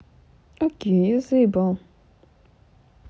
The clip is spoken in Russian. окей я заебал